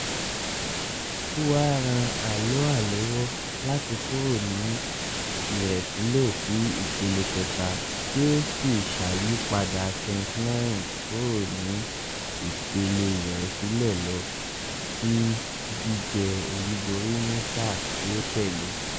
Ó wá rán Alloa lọ́wọ́ láti kúrò ní ìrẹ̀sílẹ̀ sí ìpele kẹta, tí ó sì ṣàyípadà St Mirren kúrò ní ìpele ìrẹ̀sílẹ̀ lọ́ sí jíjẹ́ olúborí ní sáà tí ó tẹ̀le.